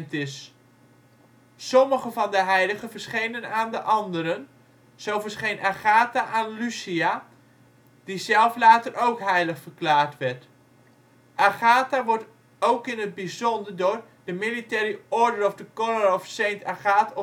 is. Sommigen van de heiligen verschenen aan de anderen. Zo verscheen Agatha aan Lucia, die zelf later ook heilig verklaard werd. Agatha wordt ook in het bijzonder door The Military Order of the Collar of Saint Agatha of